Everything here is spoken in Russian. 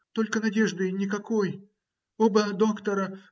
только надежды никакой. Оба доктора.